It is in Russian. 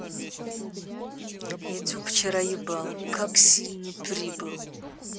youtube вчера ебал как сильный прибыл